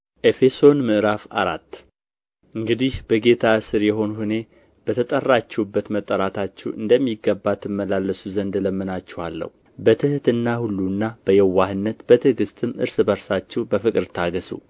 ኤፌሶን ምዕራፍ አራት እንግዲህ በጌታ እስር የሆንሁ እኔ በተጠራችሁበት መጠራታችሁ እንደሚገባ ትመላለሱ ዘንድ እለምናችኋለሁ በትሕትና ሁሉና በየዋህነት በትዕግሥትም እርስ በርሳችሁ በፍቅር ታገሡ